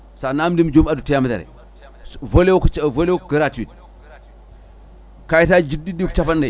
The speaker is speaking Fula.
sa namdima jomum addu temedere volet o ko ca volet o ko gratuit kayitaji judduɗi ko capannayyi